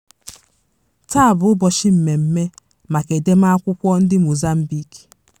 Taa bụ ụbọchị mmeme maka Edemakwụkwọ ndị Mozambique.